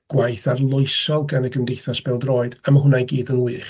Gwaith arloesol gan y Gymdeithas Bêl-droed, a ma' hwnna'i gyd yn wych.